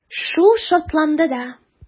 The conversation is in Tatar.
Шул шатландыра.